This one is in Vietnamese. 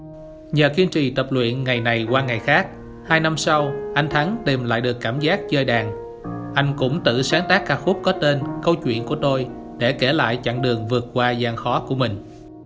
nhờ kiên trì tập luyện ngày này qua ngày khác hai năm sau anh thắng tìm lại được cảm giác chơi đàn anh cũng tự sáng tác ca khúc có tên câu chuyện của tôi đã kể lại chặng đường vượt qua gian khó của mình